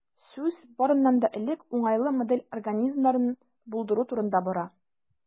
Сүз, барыннан да элек, уңайлы модель организмнарын булдыру турында бара.